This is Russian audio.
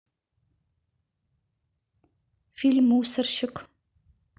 фильм мусорщик